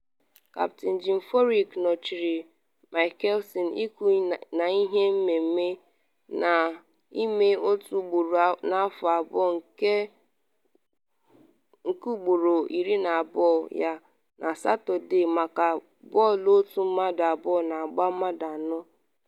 Kaptịn Jim Furyk nọchiri Mickelson, ịkụ n’ihe mmemme a na-eme otu ugboro n’afọ abụọ nke ugboro 12 ya, na Satọde maka bọọlụ otu mmadụ abụọ na agba mmadụ anọ.